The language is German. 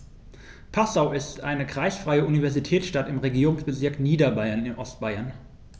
Passau ist eine kreisfreie Universitätsstadt im Regierungsbezirk Niederbayern in Ostbayern.